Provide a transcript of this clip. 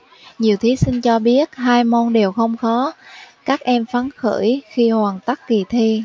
nhiều thí sinh cho biết hai môn đều không khó các em phấn khởi khi hoàn tất kỳ thi